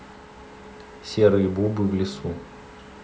серые бубы в лесу